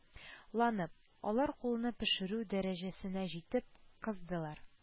Ланып, алар кулны пешерү дәрәҗәсенә җитеп кыздылар